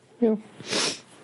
Iawn.